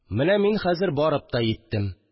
Менә мин хәзер барып та йиттем